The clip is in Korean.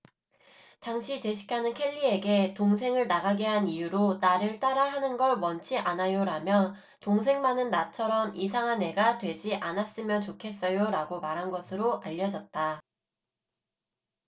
당시 제시카는 켈리에게 동생을 나가게 한 이유로 나를 따라 하는 걸 원치 않아요라며 동생만은 나처럼 이상한 애가 되지 않았으면 좋겠어요라고 말한 것으로 알려졌다